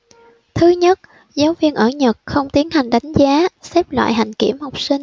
thứ nhất giáo viên ở nhật không tiến hành đánh giá xếp loại hạnh kiểm học sinh